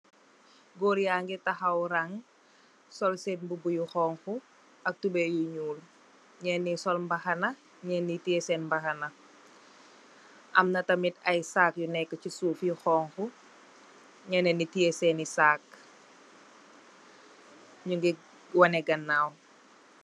Goor yage tahaw rag sol sen mubu yu xonxo ak tubaye yu nuul nyeneye sol sen mbaxana nyeneye teye sen mbaxana amna tamin aye sagg yu neka se suuf yu xonxo nyenenye teye sene sagg nuge wane ganaw.